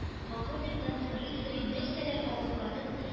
“полковниктан сорый-сорый нәрсәләр алынганын